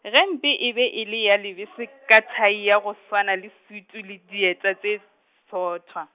gempe e be e le ya lebese, ka thai ya go swana le sutu le dieta tše, tsothwa.